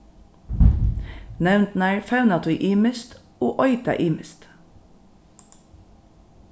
nevndirnar fevna tí ymiskt og eita ymiskt